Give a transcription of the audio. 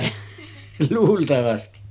luultavasti